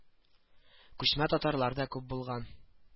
Күчмә татарлар да күп булган